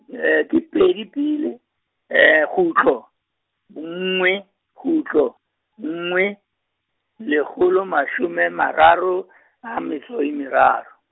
di pedi pele, kgutlo nngwe, kgutlo nngwe, lekgolo mashome mararo , a metso o meraro.